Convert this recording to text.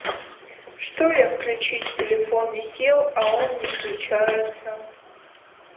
что я включить телефон не сел а он не включается